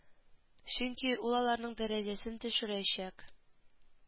Чөнки ул аларның дәрәҗәсен төшерәчәк